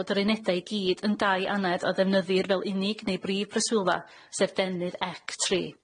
fod yr unedau i gyd yn dau anedd a ddefnyddir fel unig neu brif preswylfa sef deunydd ec tri.